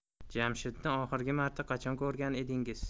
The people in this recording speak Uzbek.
jamshidni oxirgi marta qachon ko'rgan edingiz